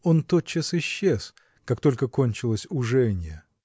Он тотчас исчез, как только кончилось уженье.